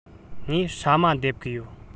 ངས སྲན མ འདེབས གི ཡོད